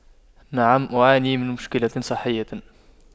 نعم أعاني من مشكلة صحية